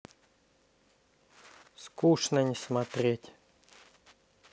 скучно не смотреть